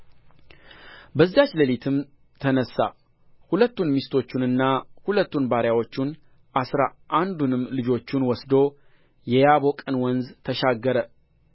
በዚያች ሌሊትም ተነሣ ሁለቱን ሚስቶቹንና ሁለቱን ባሪያዎቹን አሥራ አንዱንም ልጆቹን ወስዶ የያቦቅን ወንዝ ተሻገረ